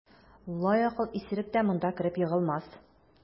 Лаякыл исерек тә монда кереп егылмас.